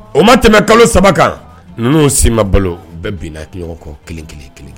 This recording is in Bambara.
O ma tɛmɛ kalo 3 kan ninnu sii ma balo u bɛɛ bina ɲɔgɔn kɔ kelen kelen